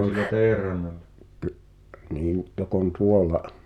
no se niin joka on tuolla